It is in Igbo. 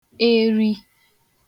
eri